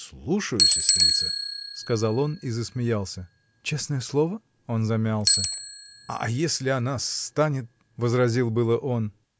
— Слушаю, сестрица, — сказал он и засмеялся. — Честное слово? Он замялся. — А если она станет. — возразил было он.